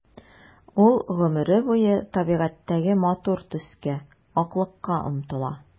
Ул гомере буе табигатьтәге матур төскә— аклыкка омтыла.